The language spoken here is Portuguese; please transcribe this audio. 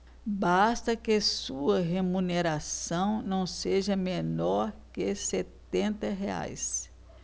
basta que sua remuneração não seja menor que setenta reais